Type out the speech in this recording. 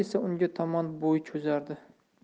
esa unga tomon bo'y cho'zardi